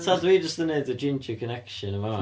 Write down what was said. Ta dwi jyst yn wneud y ginger connection yn fan'na.